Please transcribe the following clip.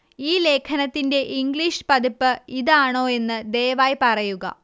ഈ ലേഖനത്തിന്റെ ഇംഗ്ലീഷ് പതിപ്പ് ഇത് ആണോ എന്ന് ദയവായി പറയുക